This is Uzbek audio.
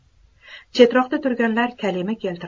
chetroqda turganlar kalima keltirib